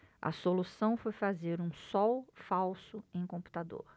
a solução foi fazer um sol falso em computador